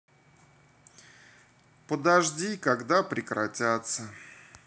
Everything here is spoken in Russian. подожди когда прекратятся